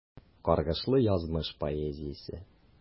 Каргышлы язмыш поэзиясе.